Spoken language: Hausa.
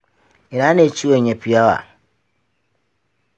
ina ne ciwon ya fi yawa?